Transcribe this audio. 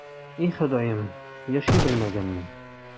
И, Ходаем, яши белмәгәнмен...